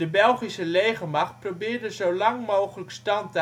Belgische legermacht probeerde zo lang mogelijk stand